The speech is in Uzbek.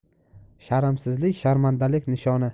sharmsizlik sharmandalik nishoni